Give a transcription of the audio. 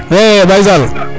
way Baye Zale